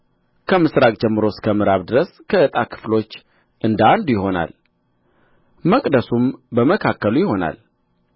ከምሥራቅ ጀምሮ እስከ ምዕራብ ድረስ ከዕጣ ክፍሎች እንደ አንዱ ይሆናል መቅደሱም በመካከሉ ይሆናል